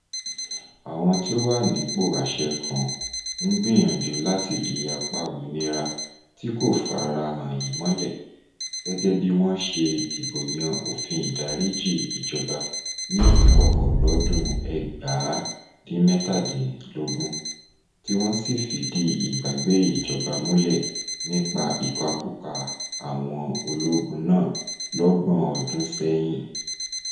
Àwọn tí ó wà nípò àṣẹ kàn ń gbìyànjú láti ri apá òmìnira tí kò farahàn yìí mọ́lẹ̀, gẹ́gẹ́ bí wọ́n ṣe dìbò yan òfin ìdáríjì ìjọba ní ìkọ̀kọ̀ lọ́dún 1993 tí wọ́n sì fìdí ìgbàgbé ìjọba múlẹ̀ nípa ìpakúpa àwọn ológun náà lọ́gbọ̀n ọdún sẹ́yìn.